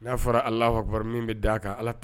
N y'a fɔra ala ka kɔrɔ min bɛ d'a kan ala taa